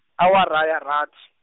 awara ya rathi.